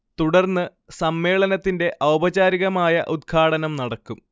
തുടർന്ന് സമ്മേളനത്തിന്റെ ഔപചാരികമായ ഉത്ഘാടനം നടക്കും